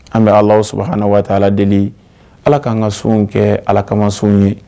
An bɛ ala sabaana waati ala deli ala k'an ka sun kɛ ala kamason ye